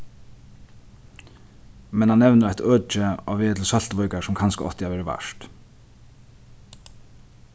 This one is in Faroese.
men hann nevnir eitt øki á veg til søltuvíkar sum kanska átti at verið vart